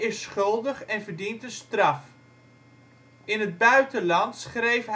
schuldig en verdient een straf. In het buitenland schreef